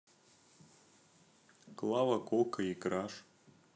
клава кока и краш